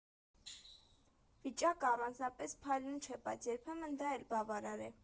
Վիճակը առանձնապես փայլուն չէ, բայց երբեմն դա էլ բավարար է։